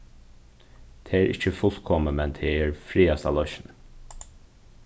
tað er ikki fullkomið men tað er frægasta loysnin